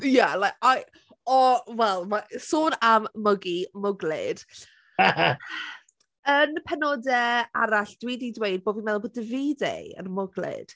Ie, like I... O! Wel, ma- sôn am muggy, mwglyd. Yn pennodau arall, dwi 'di dweud bo' fi'n meddwl bo' Davide yn mwglyd.